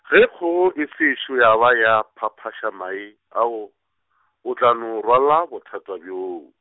ge kgogo e sešo ya ba ya phaphaša mae ao, o tla no rwala bothata bjoo.